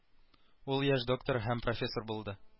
Ул яшь доктор һәм профессор булды